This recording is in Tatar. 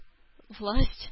Власть